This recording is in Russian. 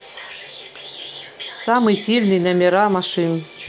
самый сильный номера машин